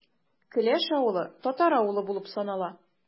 Келәш авылы – татар авылы булып санала.